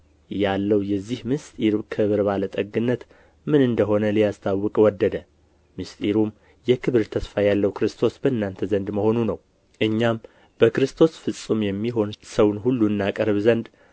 ያለው የዚህ ምሥጢር ክብር ባለ ጠግነት ምን እንደ ሆነ ሊያስታውቅ ወደደ ምሥጢሩም የክብር ተስፋ ያለው ክርስቶስ በእናንተ ዘንድ መሆኑ ነው እኛም በክርስቶስ ፍጹም የሚሆን ሰውን ሁሉ እናቀርብ ዘንድ